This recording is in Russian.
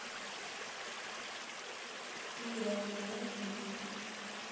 игра узнай песню